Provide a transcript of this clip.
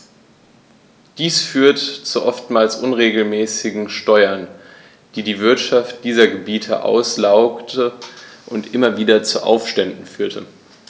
Dies führte zu oftmals unmäßigen Steuern, die die Wirtschaft dieser Gebiete auslaugte und immer wieder zu Aufständen führte.